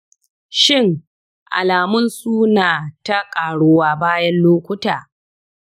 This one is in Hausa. shin, alamun suna ta ƙaruwa bayan lokuta?